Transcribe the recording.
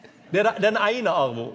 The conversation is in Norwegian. det er det er den eine arven.